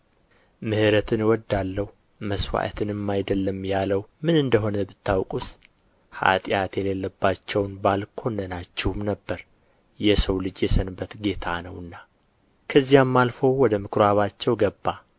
ምሕረትን እወዳለሁ መሥዋዕትንም አይደለም ያለው ምን እንደሆነ ብታውቁስ ኃጢአት የሌለባቸውን ባልኰነናችሁም ነበር የሰው ልጅ የሰንበት ጌታ ነውና ከዚያም አልፎ ወደ ምኩራባቸው ገባ